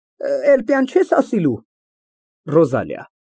ՌՈԶԱԼԻԱ ֊ Կանչիր այստեղ Ռիտային։